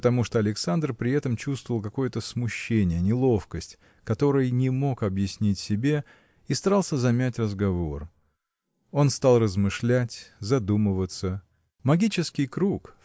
потому что Александр при этом чувствовал какое-то смущение неловкость которой не мог объяснить себе и старался замять разговор. Он стал размышлять, задумываться. Магический круг